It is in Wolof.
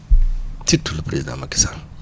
surtout le président Machy Sall